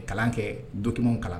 Kalan kɛ dutw kalan